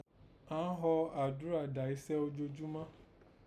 Àán họ àdúrà dà iṣẹ́ ojoojúmá